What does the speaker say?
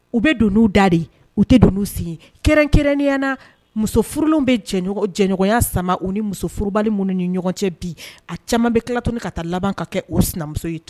U bɛ dunun da de u tɛ dunun sen kɛrɛn-kɛrɛniya na musoforo bɛ jɛɲɔgɔnya sama u ni musofbali minnu ni ɲɔgɔn cɛ bi a caman bɛ tilatuni ka taa laban ka kɛ o sinamuso ye to